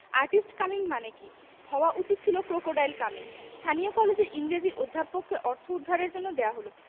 Artist coming মানে কি হওয়া উচিত ক্রোকোডাইল কামিং. স্থানীয় কলেজের ইংরেজীর অধ্যাপককে অর্থ উদ্ধারের জন্য দেয়া হল